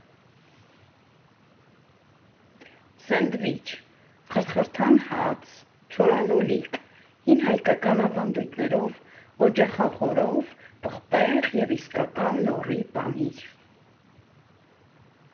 Սենդվիչ՝ խրթխրթան հաց, չորալոլիկ, հին հայկական ավանդույթներով օջախախորով պղպեղ և իսկական լոռի պանիր։